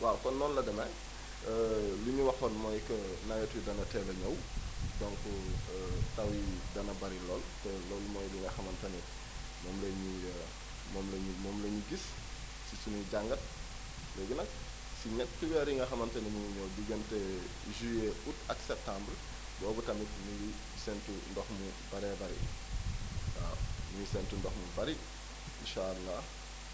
waaw kon noonu la demee li ñu waxoon mooy que nawet wi dana teel a ñëw donc taw yi dana bëri lool te loolu mooy li nga xamante ne moom la ñu moom la ñu moom la ñu gis ci suñuy jàngat léegi nag si ñetti weer yi nga xamante ni mi ngi ñëw diggante juillet aôut ak septembre boobu tamit ñu ngi séentu ndox mu bëree bëri waaw ñu ngi séntu ndox mu bëri incha allah